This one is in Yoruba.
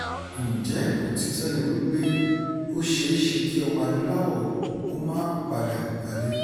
Ǹjẹ́ òtítọ́ ni wípé ó ṣeéṣe kí Ọmọ-adúláwọ̀ ó máà padà wálé?